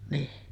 niin